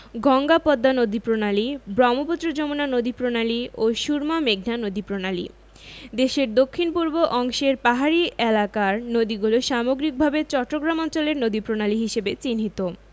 গঙ্গা পদ্মা নদীপ্রণালী ব্রহ্মপুত্র যমুনা নদীপ্রণালী ও সুরমা মেঘনা নদীপ্রণালী দেশের দক্ষিণ পূর্ব অংশের পাহাড়ী এলাকার নদীগুলো সামগ্রিকভাবে চট্টগ্রাম অঞ্চলের নদীপ্রণালী হিসেবে চিহ্নিত